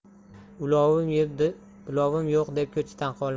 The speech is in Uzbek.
ulovim yo'q deb ko'chdan qolma